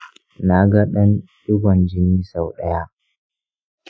na ga ɗan ɗigon jini sau ɗaya.